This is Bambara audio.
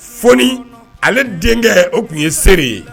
F ale denkɛ o tun ye seere ye